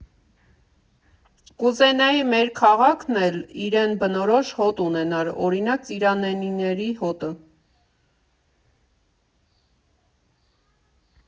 Կուզենայի մեր քաղաքն էլ իրեն բնորոշ հոտ ունենար, օրինակ՝ ծիրանենիների հոտը։